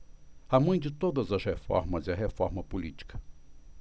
a mãe de todas as reformas é a reforma política